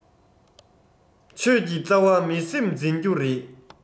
ཆོས ཀྱི རྩ བ མི སེམས འཛིན རྒྱུ རེད